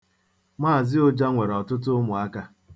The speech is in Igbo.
Mz. Ụja nwere ọtụtụ ụmụ̀akā.